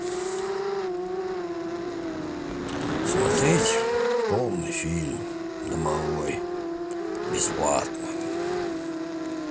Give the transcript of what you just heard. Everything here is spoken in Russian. смотреть полный фильм домовой бесплатно